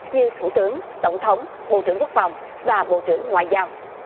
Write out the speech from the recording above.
như thủ tướng tổng thống bộ trưởng quốc phòng và bộ trưởng ngoại giao